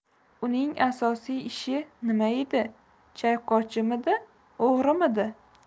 uning asosiy ishi nima edi chayqovchimidi o'g'rimidi